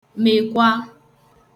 mèkwa